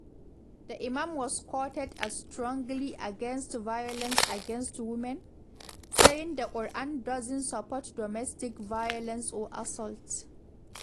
The imam was quoted as strongly against violence against women, saying the Quran doesn’t support domestic violence or assault.